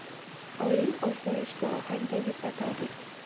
oyim osoyishta ohangda yupatadi